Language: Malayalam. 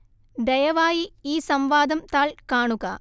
ദയവായി ഈ സംവാദം താൾ കാണുക